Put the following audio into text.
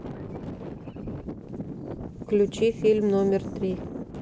включи фильм номер три